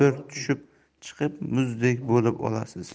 bir tushib chiqib muzdek bo'lib olasiz